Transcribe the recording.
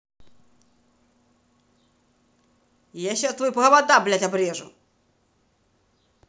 я сейчас твой провода блядь обрежу